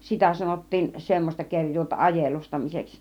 sitä sanottiin semmoista kerjuuta ajelustamiseksi